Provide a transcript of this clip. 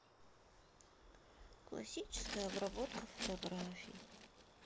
классическая обработка фотографий